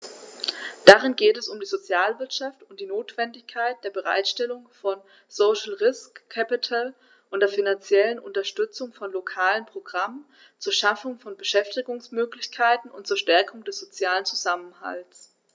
Darin geht es um die Sozialwirtschaft und die Notwendigkeit der Bereitstellung von "social risk capital" und der finanziellen Unterstützung von lokalen Programmen zur Schaffung von Beschäftigungsmöglichkeiten und zur Stärkung des sozialen Zusammenhalts.